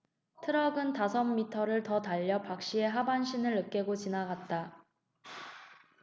트럭은 다섯 미터를 더 달려 박씨의 하반신을 으깨고 지나갔다